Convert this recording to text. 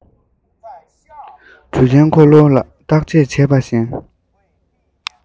འདྲུད འཐེན འཁོར ལོ ལ བརྟག དཔྱད བྱེད པ བཞིན